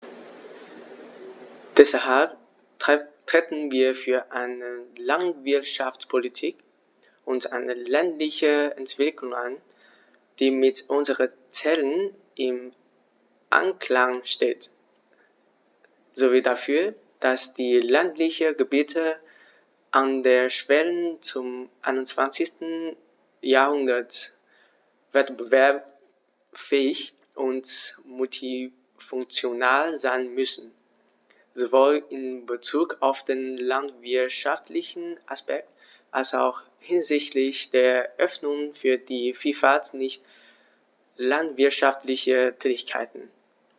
Deshalb treten wir für eine Landwirtschaftspolitik und eine ländliche Entwicklung ein, die mit unseren Zielen im Einklang steht, sowie dafür, dass die ländlichen Gebiete an der Schwelle zum 21. Jahrhundert wettbewerbsfähig und multifunktional sein müssen, sowohl in Bezug auf den landwirtschaftlichen Aspekt als auch hinsichtlich der Öffnung für die Vielfalt nicht landwirtschaftlicher Tätigkeiten.